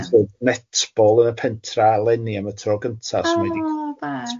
Achos odd netball yn y pentra leni am y tro gynta... Oh da. ...so mae di